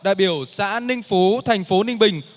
đại biểu xã ninh phú thành phố ninh bình